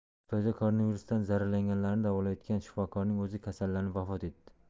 xitoyda koronavirusdan zararlanganlarni davolayotgan shifokorning o'zi kasallanib vafot etdi